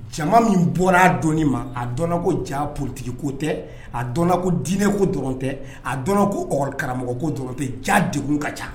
Jama min bɔra a doni ma a dɔn ko ja ptigiko tɛ a dɔn ko diinɛko dɔrɔn tɛ a dɔn ko karamɔgɔ ko dɔrɔn tɛ ja de ka ca